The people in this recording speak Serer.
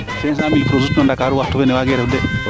500 mille pour sutiin o ndakarou waxtu feeke de